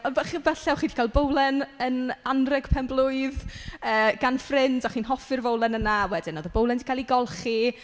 Fych- falle o' chi 'di cael bowlen yn anrheg penblwydd yy gan ffrind a chi'n hoffi'r fowlen yna, wedyn o'dd y bowlen 'di cael ei golchi,